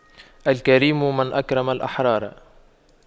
الكريم من أكرم الأحرار